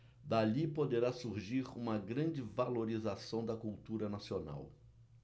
dali poderá surgir uma grande valorização da cultura nacional